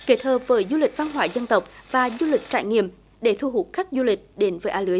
kết hợp với du lịch văn hóa dân tộc và du lịch trải nghiệm để thu hút khách du lịch đến với a lưới